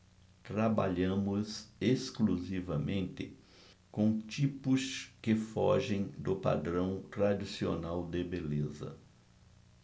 trabalhamos exclusivamente com tipos que fogem do padrão tradicional de beleza